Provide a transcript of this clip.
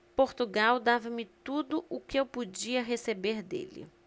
portugal dava-me tudo o que eu podia receber dele